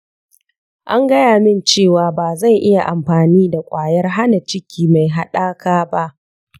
an gaya min cewa ba zan iya amfani da kwayar hana ciki mai haɗaka ba.